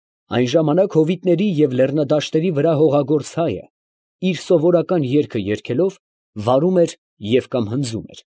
Այն ժամանակ հովիտների և լեռնադաշտերի վրա հողագործ հայը, իր սովորական երգը երգելով, վարում էր և կամ հնձում էր։